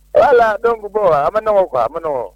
Voila donc bon a man nɔgɔ quoi a man nɔgɔn